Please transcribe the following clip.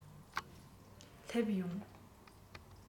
སླེབས ཡོང